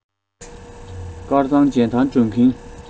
དཀར གཙང མཇལ དར སྒྲོན གྱིན